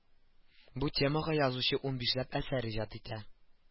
Бу темага язучы унбишләп әсәр иҗат итә